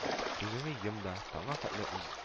Күзеңне йом да, таңга хәтле